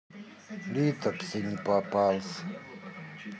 литопсы не попался